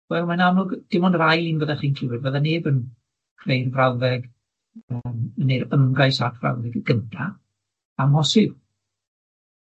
Wel mae'n amlwg dim ond yr ail un fyddech chi'n clywed, fydde neb yn gwneud yn frawddeg yym neu'r ymgais at frawddeg y gynta amhosib.